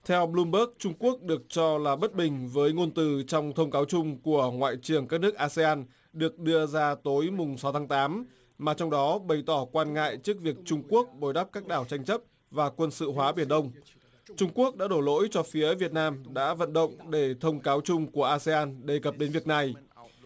theo bờ lum bớt trung quốc được cho là bất bình với ngôn từ trong thông cáo chung của ngoại trưởng các nước a sê an được đưa ra tối mùng sáu tháng tám mà trong đó bày tỏ quan ngại trước việc trung quốc bồi đắp các đảo tranh chấp và quân sự hóa biển đông trung quốc đã đổ lỗi cho phía việt nam đã vận động để thông cáo chung của a sê an đề cập đến việc này